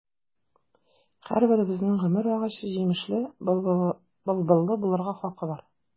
Һәрберебезнең гомер агачы җимешле, былбыллы булырга хакы бар.